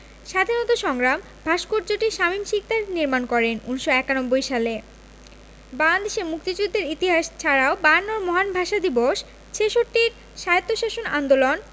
স্বাধীনতা সংগ্রাম ভাস্কর্যটি শামীম শিকদার নির্মাণ করেন ১৯৯১ সালে বাংলাদেশের মুক্তিযুদ্ধের ইতিহাস ছাড়াও বায়ান্নর মহান ভাষা দিবস ছেষট্টির স্বায়ত্তশাসন আন্দোলন